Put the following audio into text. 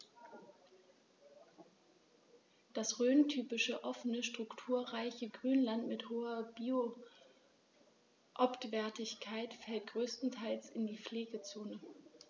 Das rhöntypische offene, strukturreiche Grünland mit hoher Biotopwertigkeit fällt größtenteils in die Pflegezone.